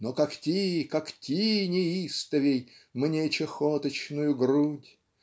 Но когти, когти неистовей Мне чахоточную грудь.